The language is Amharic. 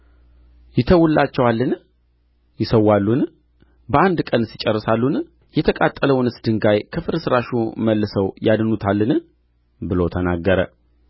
ይተዉላቸዋልን ይሠዋሉን በአንድ ቀንስ ይጨርሳሉን የተቃጠለውንስ ድንጋይ ከፍርስራሹ መልሰው ያድኑታልን ብሎ ተናገረ